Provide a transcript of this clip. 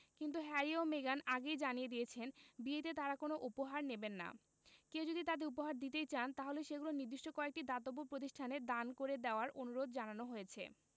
কিন্তু হ্যারি ও মেগান আগেই জানিয়ে দিয়েছেন বিয়েতে তাঁরা কোনো উপহার নেবেন না কেউ যদি তাঁদের উপহার দিতেই চান তাহলে সেগুলো নির্দিষ্ট কয়েকটি দাতব্য প্রতিষ্ঠানে দান করে দেওয়ার অনুরোধ জানানো হয়েছে